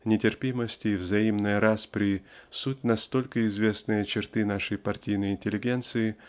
Нетерпимость и взаимные распри суть настолько известные черты нашей партийной интеллигенции